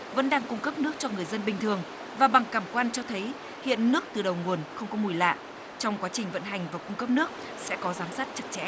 vẫn đang cung cấp nước cho người dân bình thường và bằng cảm quan cho thấy hiện nước từ đầu nguồn không có mùi lạ trong quá trình vận hành và cung cấp nước sẽ có giám sát chặt chẽ